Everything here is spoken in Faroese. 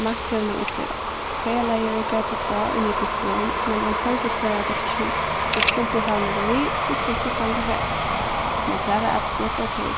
mangt hevur mann upplivað ferðaleiðarin greiddi frá í mikrofon men hann hoyrdist bara á dekkinum so skuldi tú hava nakað við so skuldi tú standa har men tað var absolutt ókey